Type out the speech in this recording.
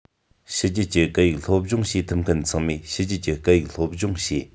ཕྱི རྒྱལ གྱི སྐད ཡིག སློབ སྦྱོང བྱེད ཐུབ མཁན ཚང མས ཕྱི རྒྱལ གྱི སྐད ཡིག སློབ སྦྱོང བྱས